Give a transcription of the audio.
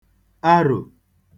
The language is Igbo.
arò